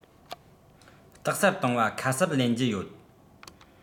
རྟགས གསལ གཏོང བ ཁ གསབ ལེན རྒྱུ ཡོད